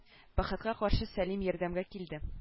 Бәхеткә каршы сәлим ярдәмгә килде